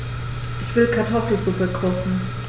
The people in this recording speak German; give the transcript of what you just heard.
Ich will Kartoffelsuppe kochen.